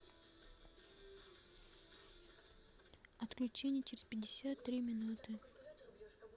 отключение через пятьдесят три минуты